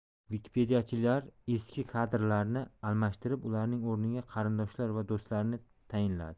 wikipediachilar eski kadrlarni almashtirib ularning o'rniga qarindoshlari va do'stlarini tayinladi